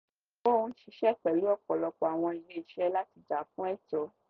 Ò ń ṣiṣẹ́ pẹ̀lú ọ̀pọ̀lọpọ̀ àwọn ilé-iṣẹ́ láti jà fún ẹ̀tọ́.